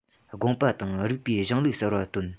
དགོངས པ དང རིགས པའི གཞུང ལུགས གསར པ བཏོན